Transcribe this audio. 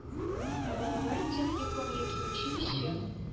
Ә балалары техникум яки училище